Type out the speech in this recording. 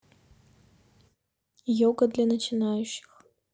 йога для начинающих